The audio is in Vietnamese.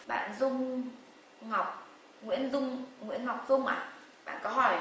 bạn dung ngọc nguyễn dung nguyễn ngọc dung ạ bạn có hỏi